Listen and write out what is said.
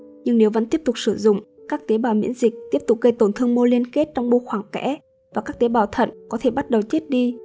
nhưng nếu vẫn tiếp tục sử dụng các tế bào miễn dịch tiếp tục gây tổn thương mô liên kết trong mô khoảng kẽ và các tế bào thận có thể bắt đầu chết đi